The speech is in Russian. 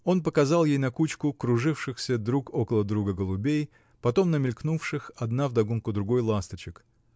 Он показал ей на кучку кружившихся друг около друга голубей, потом на мелькнувших одна вдогонку другой ласточек.